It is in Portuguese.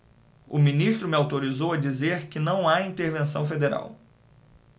o ministro me autorizou a dizer que não há intervenção federal